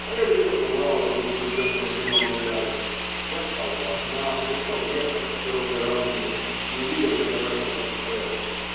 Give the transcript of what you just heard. Мое лицо пылало, возбужденное вином и удачей, я стал у окна, подышал ветром с широкой равнины и увидел на террасе Гоффредо.